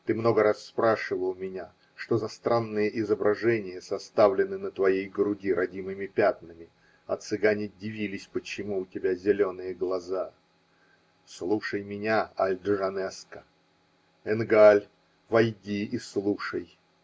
Ты много раз спрашивал меня, что за странные изображения составлены на твоей груди родимыми пятнами, а цыгане дивились, почему у тебя зеленые глаза. Слушай меня, Аль-Джанеско! Энгаль, войди и слушай!